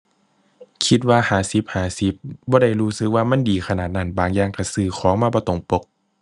คิดว่าห้าสิบห้าสิบ บ่ได้รู้สึกว่ามันดีขนาดนั้น บางอย่างก็ซื้อของมาบ่ตรงปก